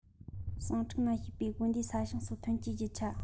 ཟིང འཁྲུག ནང ཞུགས པའི དགོན སྡེའི ས ཞིང སོགས ཐོན སྐྱེད རྒྱུ ཆ